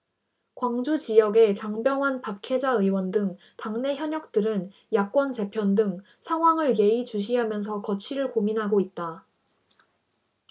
광주지역의 장병완 박혜자 의원 등 당내 현역들은 야권 재편 등 상황을 예의주시하면서 거취를 고민하고 있다